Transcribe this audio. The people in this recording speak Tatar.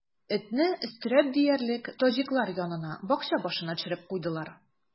Этне, өстерәп диярлек, таҗиклар янына, бакча башына төшереп куйдылар.